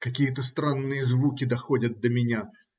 Какие-то странные звуки доходят до меня.